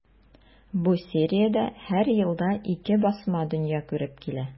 Бу сериядә һәр елда ике басма дөнья күреп килә.